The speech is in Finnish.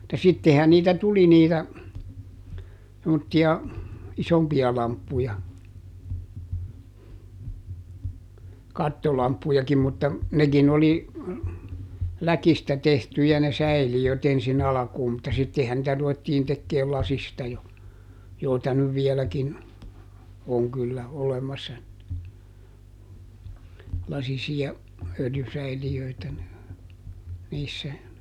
mutta sittenhän niitä tuli niitä semmoisia isompia lamppuja kattolamppujakin mutta nekin oli läkistä tehtyjä ne säiliöt ensin alkuun mutta sittenhän niitä ruvettiin tekemään lasista jo joita nyt vieläkin on kyllä olemassa lasisia öljysäiliöitä niissä